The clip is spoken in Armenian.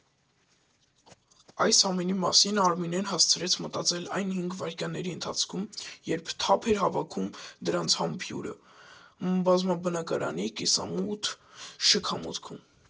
Այս ամենի մասին Արմինեն հասցրեց մտածել այն հինգ վայրկյանների ընթացքում, երբ թափ էր հավաքում նրանց համբույրը՝ բազմաբնակարանի կիսամութ շքամուտքում։